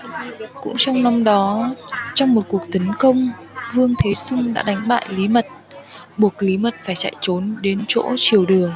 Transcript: cũng trong năm đó trong một cuộc tấn công vương thế sung đã đánh bại lý mật buộc lý mật phải chạy trốn đến chỗ triều đường